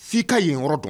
F'i ka yen yɔrɔ dɔn